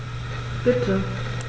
Bitte.